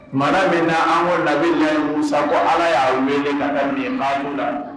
Mara min na an ko labɛn' ye musakɔ ala y'aaw wele ka ka miba la